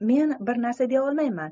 men bir narsa deya olmayman